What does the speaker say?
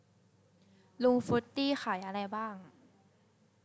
ลุงฟรุตตี้ขายอะไรบ้าง